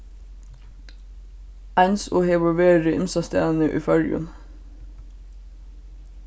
eins og hevur verið ymsastaðni í føroyum